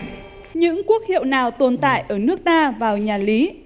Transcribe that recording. những quốc hiệu nào tồn tại ở nước ta vào nhà lý